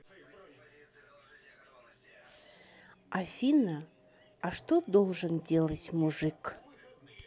афина а что должен делать мужик